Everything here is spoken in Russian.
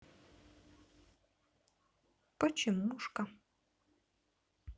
почемушка